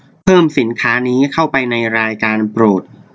เพิ่มสินค้านี้เข้าไปในรายการโปรด